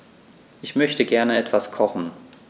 Ich möchte gerne etwas kochen.